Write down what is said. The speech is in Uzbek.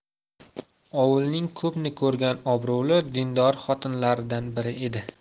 ovulning ko'pni ko'rgan obro'li dindor xotinlaridan biri edi